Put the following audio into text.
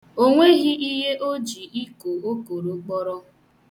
Ọ nweghị ihe o ji iko okoro kpọrọ.